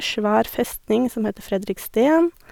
Svær festning som heter Fredriksten.